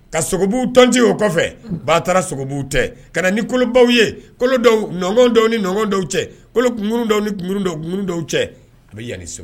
Ka sogobuw tɔnte o kɔfɛ batara sogobuw tɛ, ka na ni kolobaw ye, kolo dɔw, nɔngɔn dɔw ni nɔngɔn dɔw cɛ, kolokunnugun dɔw, kunnugun dɔw ni kunnugun dɔw cɛ, a bɛ yan ni so